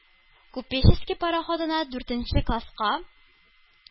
“купеческий“ пароходына, дүртенче класска